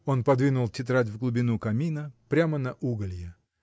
Он подвинул тетрадь в глубину камина, прямо на уголья.